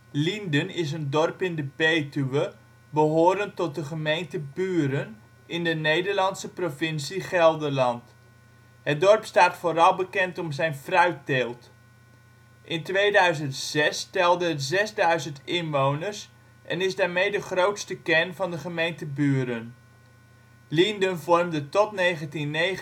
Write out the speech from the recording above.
Lienden is een dorp in de Betuwe, behorend tot de gemeente Buren, in de Nederlandse provincie Gelderland. Het dorp staat vooral bekend om zijn fruitteelt. In 2006 telde het 6000 inwoners en is daarmee de grootste kern van de gemeente Buren. Lienden vormde tot 1999 een